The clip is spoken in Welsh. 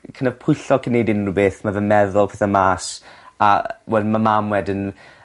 kin' o' pwyllo cyn neud unryw beth ma' fe'n meddwl pethe mas. A wel ma' mam wedyn